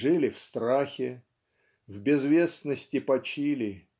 Жили - в страхе, В безвестности - почили.